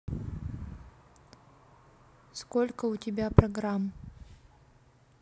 сколько у тебя программ